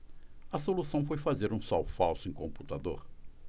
a solução foi fazer um sol falso em computador